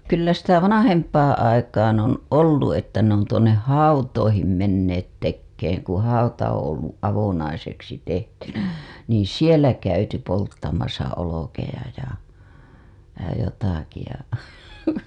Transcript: kyllä sitä vanhempaan aikaan on ollut että ne on tuonne hautoihin menneet tekemään kun hauta on ollut avonaiseksi tehtynä niin siellä käyty polttamassa olkia ja ja jotakin ja